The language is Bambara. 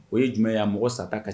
O ye jumɛnya mɔgɔ sata ka